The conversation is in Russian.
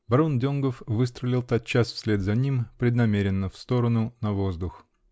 Барон Донгоф выстрелил тотчас вслед за ним -- преднамеренно в сторону, на воздух.